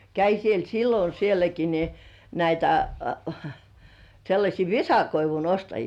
kävi siellä silloin sielläkin niin näitä sellaisia visakoivun ostajia